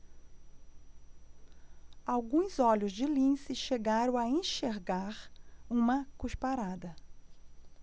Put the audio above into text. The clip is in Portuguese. alguns olhos de lince chegaram a enxergar uma cusparada